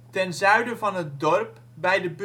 Ten zuiden van het dorp, bij de